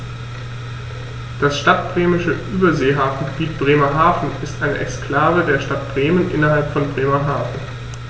Das Stadtbremische Überseehafengebiet Bremerhaven ist eine Exklave der Stadt Bremen innerhalb von Bremerhaven.